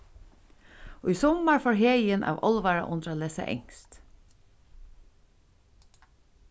í summar fór heðin av álvara undir at lesa enskt